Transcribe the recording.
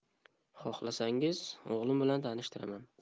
xoxlasangiz o'glim bilan tanishtiraman